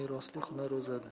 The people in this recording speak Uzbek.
merosli hunar o'zadi